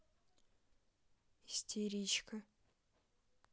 истеричка